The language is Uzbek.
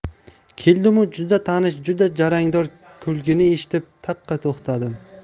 keldimu juda tanish juda jarangdor kulgini eshitib taqqa to'xtadim